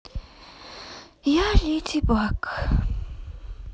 я леди баг